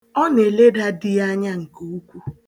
Ọ na-eleda di ya anya nke ukwu